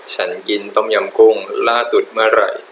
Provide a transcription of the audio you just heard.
ฉันกินต้มยำกุ้งล่าสุดเมื่อไหร่